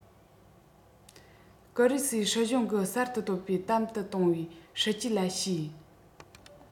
ཀེ རི སེའི སྲིད གཞུང གིས གསར དུ བཏོན པའི དམ དུ གཏོང བའི སྲིད ཇུས ལ བྱས